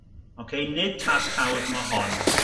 Ocei nid tasg hawdd mo' hon